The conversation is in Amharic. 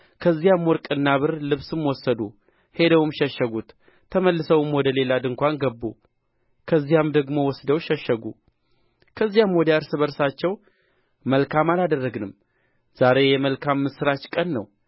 ከዚያም ወርቅና ብር ልብስም ወሰዱ ሄደውም ሸሸጉት ተመልሰውም ወደ ሌላ ድንኳን ገቡ ከዚያም ደግሞ ወስደው ሸሸጉ ከዚያም ወዲያ እርስ በርሳቸው መልካም አላደረግንም ዛሬ የመልካም ምስራች ቀን ነው